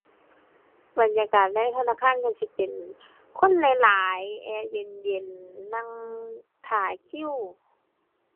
บรรยากาศในธนาคารก็สิเป็น คนหลายหลาย แอร์เย็นเย็น นั่งท่าคิว